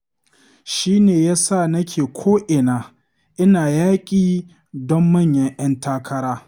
“Shi ne ya sa nake ko’ina ina yaƙi don manyan ‘yan takara.”